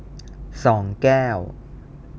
สองแก้ว